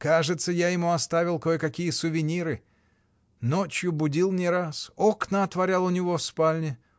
Кажется, я ему оставил кое-какие сувениры: ночью будил не раз, окна отворял у него в спальне.